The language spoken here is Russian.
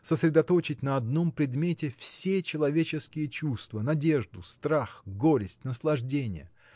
сосредоточить на одном предмете все человеческие чувства – надежду страх горесть наслаждение